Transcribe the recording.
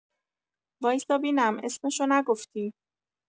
وایسا بینم اسمشو نگفتی